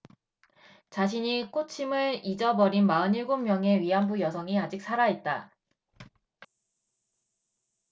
자신이 꽃임을 잊어버린 마흔 일곱 명의 위안부 여성이 아직 살아 있다